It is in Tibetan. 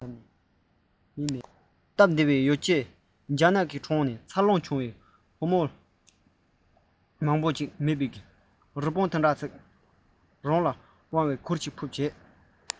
སྟབས བདེའི ཡོ བྱད རྒྱ ནག གི གྲོང ཁྱེར འཚར ལོངས བྱུང བའི བུ མོ ལུང མང པོ བརྒྱབ ནས མི མེད པའི རི བོ འདི འདྲ ཞིག རང ལ དབང བའི གུར ཞིག ཕུབ རྗེས